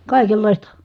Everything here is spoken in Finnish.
kaikenlaista